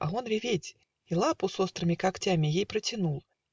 а он реветь, И лапу с острыми когтями Ей протянул